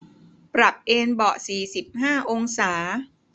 ปรับเอนเบาะสี่สิบห้าองศา